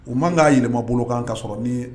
U man k'a yɛlɛmabolo kan ka sɔrɔ ni